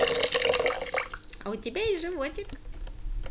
а у тебя есть животик